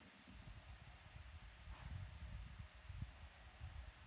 такая женщина